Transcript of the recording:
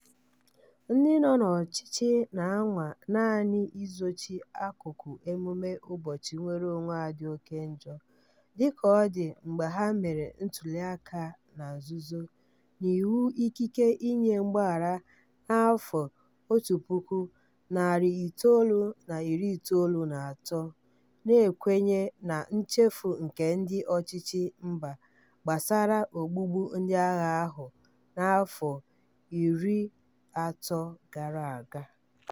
Ndị nọ n'ọchịchị na-anwa naanị izochi akụkụ emume ụbọchị nnwereonwe a dị oke njọ, dị ka ọ dị mgbe ha mere ntuli aka na nzuzo n'iwu ikike inye mgbaghara na 1993 na-ekwenye na nchefu nke ndị ọchịchị mba gbasara ogbugbu ndị agha ahụ n'afọ 30 gara aga.